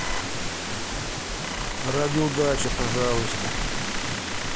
радио дача пожалуйста